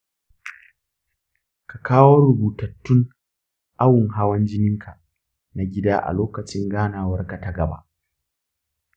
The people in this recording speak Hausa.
ka kawo rubutattun awun hawan jininka na gida a lokacin ganawarka ta gaba.